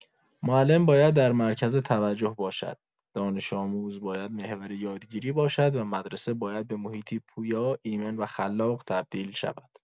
معلم باید در مرکز توجه باشد، دانش‌آموز باید محور یادگیری باشد و مدرسه باید به محیطی پویا، ایمن و خلاق تبدیل شود.